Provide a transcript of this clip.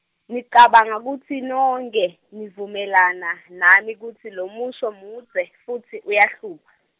ngicabanga kutsi nonkhe, nivumelana nami kutsi lomusho mudze, futsi uyahlupha.